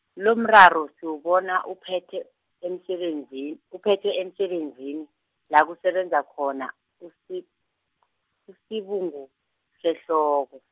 lomraro siwubona uphethe emsebenzi-, uphethwe emsebenzini, la kusebenza khona, uSi- uSibungusehloko.